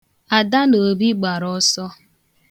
Ada na Obi gbara ọsọ.